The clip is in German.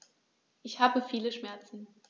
Ich habe viele Schmerzen.